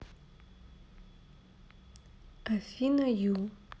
афина ю